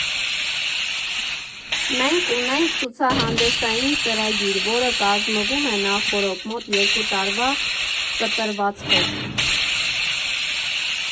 Մենք ունենք ցուցահանդեսային ծրագիր, որը կազմվում է նախօրոք՝ մոտ երկու տարվա կտրվածքով։